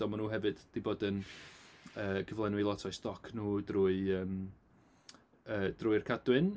Ond maen nhw hefyd 'di bod yn yy cyflenwi lot o'u stoc nhw drwy yym yy drwy'r Cadwyn.